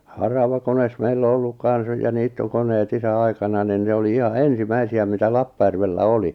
haravakone meillä on ollut kanssa ja niittokoneet isän aikana niin ne oli ihan ensimmäisiä mitä Lappajärvellä oli